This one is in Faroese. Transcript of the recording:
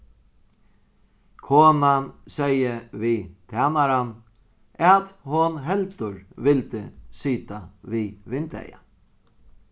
konan segði við tænaran at hon heldur vildi sita við vindeygað